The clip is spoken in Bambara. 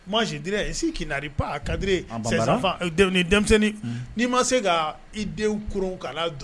Maa si d i si k'i naari pa kadi denmisɛnnin n'i ma se ka i denw k' don